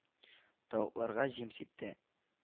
Тавыкларга җим сипте